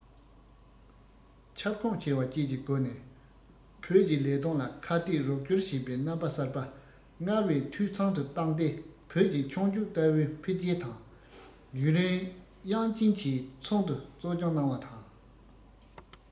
ཁྱབ ཁོངས ཆེ བ བཅས ཀྱི སྒོ ནས བོད ཀྱི ལས དོན ལ ཁ གཏད རོགས སྐྱོར བྱེད པའི རྣམ པ གསར པ སྔར བས འཐུས ཚང དུ བཏང སྟེ བོད ཀྱི མཆོང སྐྱོད ལྟ བུའི འཕེལ རྒྱས དང ཡུན རིང དབྱང ཅིན གྱིས ཚོགས འདུ གཙོ སྐྱོང གནང བ དང